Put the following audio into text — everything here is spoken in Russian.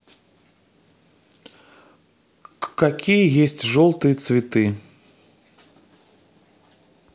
какие есть желтые цветы